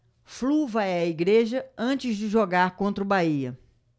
flu vai à igreja antes de jogar contra o bahia